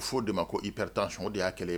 U'o de ma ko i pɛre sɔn de y'a kɛlɛ